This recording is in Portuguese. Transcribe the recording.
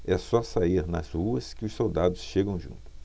é só sair nas ruas que os soldados chegam junto